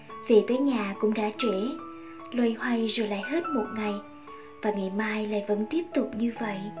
về tới nhà cũng đã trễ loay hoay rồi lại hết một ngày và ngày mai lại vẫn tiếp tục như vậy